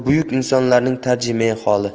buyuk insonlarning tarjimai holi